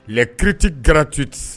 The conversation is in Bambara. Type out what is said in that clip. Lɛkiriti gatite